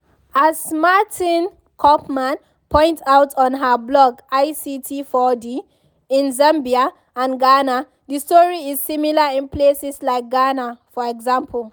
As Martine Koopman points out on her blog ICT4D in Zambia and Ghana, the story is similar in places like Ghana, for example.